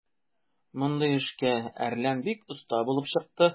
Мондый эшкә "Әрлән" бик оста булып чыкты.